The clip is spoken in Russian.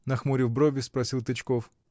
— нахмурив брови, спросил Тычков.